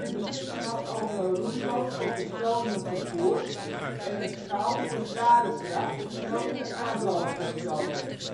beschikking had over roeiboot voor personenvervoer en een schouw voor zware vracht of grotere aantallen personen